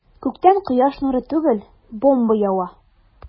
Күктән кояш нуры түгел, бомба ява.